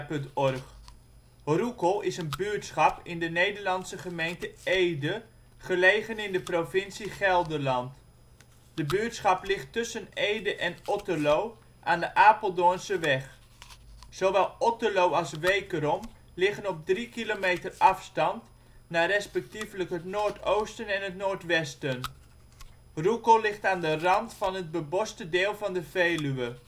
OL Roekel Plaats in Nederland Situering Provincie Gelderland Gemeente Ede Coördinaten 52° 6′ NB, 5° 44′ OL Portaal Nederland Roekel is een buurtschap in de Nederlandse gemeente Ede, gelegen in de provincie Gelderland. De buurtschap ligt tussen Ede en Otterlo aan de Apeldoornse weg. Zowel Otterlo als Wekerom liggen op 3 km afstand naar resp het noordoosten en het noordwesten. Roekel ligt aan de rand van het beboste deel van de Veluwe